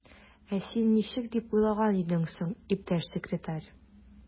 Ә син ничек дип уйлаган идең соң, иптәш секретарь?